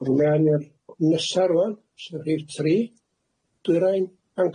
Rwan ia i'r nesaf rŵan, so rhif tri, Dwyrain Bangor